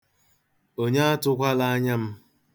Onye atụkwala anya m.